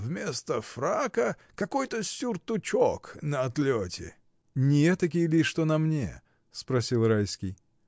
Вместо фрака какой-то сюртучок на отлете. — Не этакий ли, что на мне? — спросил Райский.